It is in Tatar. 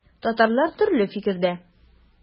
Татарлар төрле фикердә.